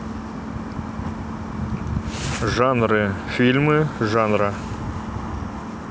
жанры фильмы жанра